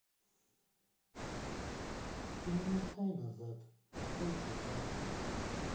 перемотай назад на полчаса